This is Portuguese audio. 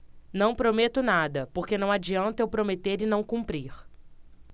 não prometo nada porque não adianta eu prometer e não cumprir